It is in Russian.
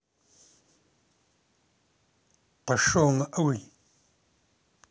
пошел нахуй